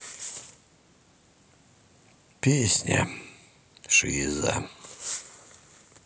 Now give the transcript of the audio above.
песня шиза